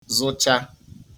zụcha